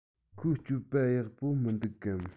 ཁོའི སྤྱོད པ ཡག པོ མི འདུག གམ